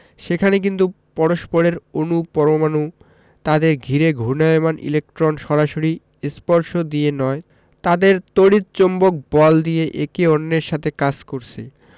সেখানে কিন্তু পরস্পরের অণু পরমাণু তাদের ঘিরে ঘূর্ণায়মান ইলেকট্রন সরাসরি স্পর্শ দিয়ে নয় তাদের তড়িৎ চৌম্বক বল দিয়ে একে অন্যের সাথে কাজ করছে